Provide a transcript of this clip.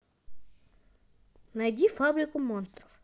найди фабрику монстров